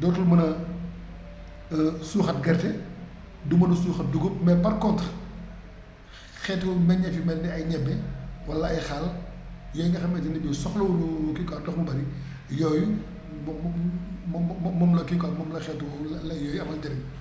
dootul mën a suuxat gerte du mën a suuxat dugub mais par contre xeetu meññeef yu mel ni ay ñebe wala ay xaal yooyu nga xamante ne bii soxlawuñu kii quoi ndox mu bari yooyu moom moom moom moom la kii quoi moom la xeetu layu yooyu amal njëriñ